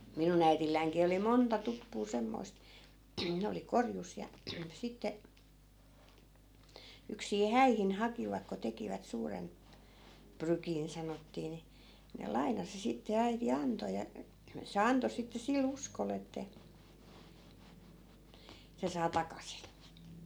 minun äidillänikin oli monta tuppua semmoista ne oli korjussa ja sitten yksin häihin hakivat kun tekivät suuren prykin sanottiin niin ne lainasi sitten äiti antoi ja se antoi sitten sillä uskolla että se saa takaisin